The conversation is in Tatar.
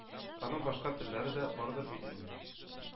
Аның башка теллеләре дә бардыр бит инде.